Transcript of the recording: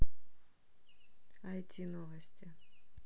ай ти новости